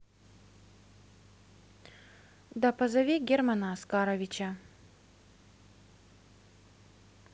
да позови германа оскаровича